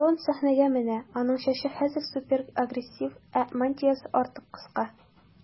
Рон сәхнәгә менә, аның чәче хәзер суперагрессив, ә мантиясе артык кыска.